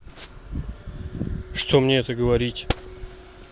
что мне это говорить